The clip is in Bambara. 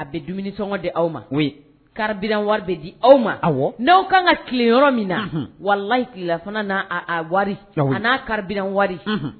A bɛ dumunisɔngɔ di aw ma, oui, carburant wari bɛ di aw ma , awɔ,, n'aw ka kan ka tile yɔrɔ min na, unhun wallahi lanyi tilelafana n'a carburant wari, unhun.